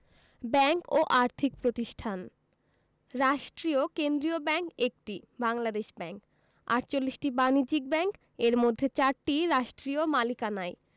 bank ও আর্থিক প্রতিষ্ঠানঃ রাষ্ট্রীয় কেন্দ্রীয় ব্যাংক ১টি বাংলাদেশ ব্যাংক ৪৮টি বাণিজ্যিক ব্যাংক এর মধ্যে ৪টি রাষ্ট্রীয় মালিকানায়